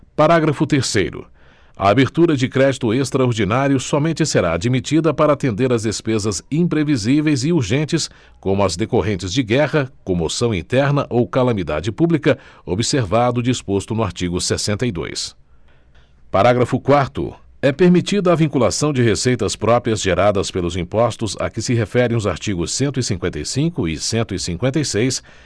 parágrafo terceiro a abertura de crédito extraordinário somente será admitida para atender as despesas imprevisíveis e urgentes como as decorrentes de guerra comoção interna ou calamidade pública observado o disposto no artigo sessenta e dois parágrafo quarto é permitida a vinculação de receitas próprias geradas pelos impostos a que se referem os artigos cento e cinquenta e cinco e cento e cinquenta e seis